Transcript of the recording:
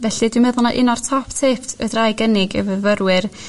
felly dwi meddwl 'na un o'r top tips fedrai gynnig i fyfyrwyr